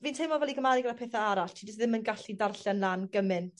fi'n teimlo fel i gymharu gyda pethe arall ti jys ddim yn gallu ddarllen lan gymint